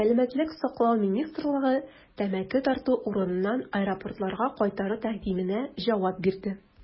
Сәламәтлек саклау министрлыгы тәмәке тарту урыннарын аэропортларга кайтару тәкъдименә җавап бирде.